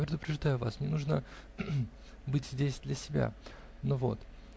я предупреждаю вас, мне нужно быть здесь для себя. Но вот.